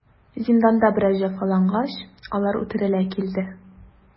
Зинданда бераз җәфалангач, алар үтерелә килде.